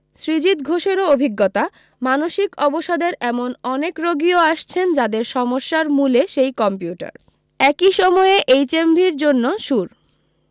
শ্রীজিত ঘোষেরও অভিজ্ঞতা মানসিক অবসাদের এমন অনেক রোগীও আসছেন যাঁদের সমস্যার মূলে সেই কম্পিউটার একি সময়ে এইচেমভির জন্য সুর